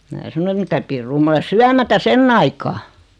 minä sanoin että mitä pirua minä olen syömättä sen aikaa